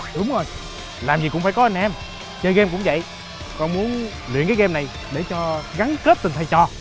đúng rồi làm gì cũng phải có anh em chơi game cũng vậy con muốn luyện cái ghêm này để cho gắn kết tình thầy trò